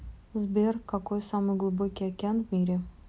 сбер какой самый глубокий океан в мире